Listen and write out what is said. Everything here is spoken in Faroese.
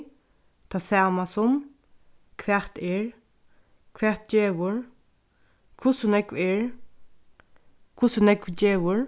tað sama sum hvat er hvat gevur hvussu nógv er hvussu nógv gevur